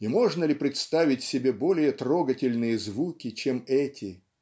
и можно ли представить себе более трогательные звуки чем эти